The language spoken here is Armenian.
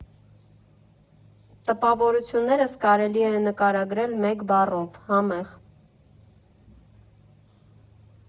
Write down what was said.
Տպավորություններս կարելի է նկարագրել մեկ բառով՝ համե՜ղ։